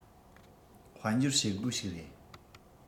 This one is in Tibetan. དཔལ འབྱོར བྱེད སྒོ ཞིག རེད